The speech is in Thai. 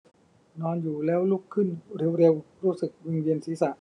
นอนอยู่แล้วลุกขึ้นเร็วเร็วรู้สึกวิงเวียนศีรษะ